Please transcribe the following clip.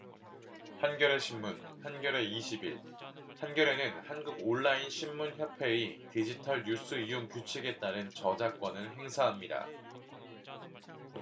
한겨레신문 한겨레 이십 일 한겨레는 한국온라인신문협회의 디지털뉴스이용규칙에 따른 저작권을 행사합니다